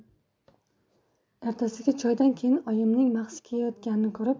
ertasiga choydan keyin oyimning mahsi kiyayotganini ko'rib